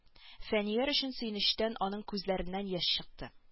Фәнияр өчен сөенечтән аныө күзләреннән яшь акты